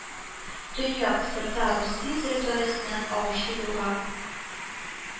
Төньяк Серта Русия территориясеннән агучы елга